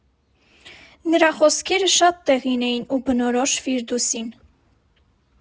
Նրա խոսքերը շատ տեղին էին ու բնորոշ Ֆիրդուսին.